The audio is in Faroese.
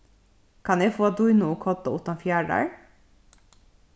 kann eg fáa dýnu og kodda uttan fjaðrar